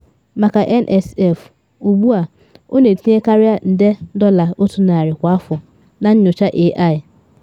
Maka NSF, ugbu a ọ na etinye karịa nde $100 kwa afọ na nyocha AI.